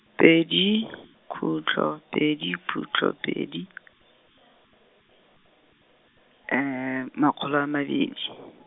pedi , khutlo, pedi khutlo pedi , makgolo a mabedi.